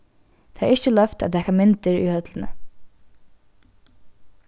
tað er ikki loyvt at taka myndir í høllini